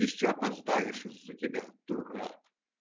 Еще опоздаешь из-за тебя, дурак.